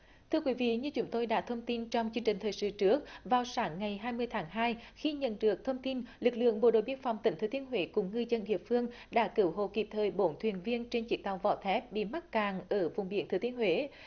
thưa quý vị như chúng tôi đã thông tin trong chương trình thời sự trước vào sáng ngày hai mươi tháng hai khi nhận được thông tin lực lượng bộ đội biên phòng tỉnh thừa thiên huế cùng ngư dân địa phương đã cứu hộ kịp thời bốn thuyền viên trên chiếc tàu vỏ thép bị mắc cạn ở vùng biển thừa thiên huế